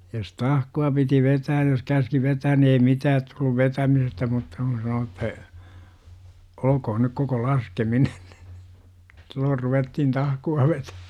jos tahkoa piti vetää jos käski vetämään niin ei mitään tullut vetämisestä mutta kun sanoi että olkoon nyt koko laskeminen niin silloin ruvettiin tahkoa vetämään